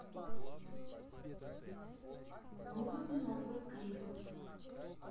музыку новые клипы